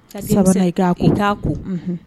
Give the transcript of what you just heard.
Saba i' i' ko